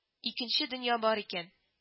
Икенче дөнья бар икән